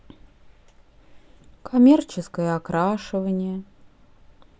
коммерческое окрашивание